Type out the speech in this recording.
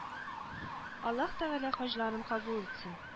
Аллаһ Тәгалә хаҗларын кабул итсен